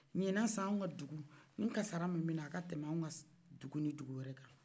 ɲinan san an ka dugu ni kasara min bɛna o ka tɛmɛ an ka dugu ni dugu wɛrɛ kan